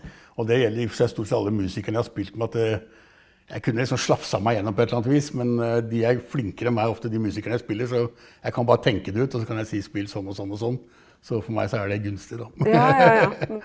og det gjelder i for seg stort sett alle musikerne jeg har spilt med at jeg kunne liksom slafsa meg gjennom på ett eller annet vis, men de er flinkere enn meg ofte, de musikerne jeg spiller, så jeg kan bare tenke det ut også kan jeg si spill sånn og sånn og sånn så for meg så er det gunstig da .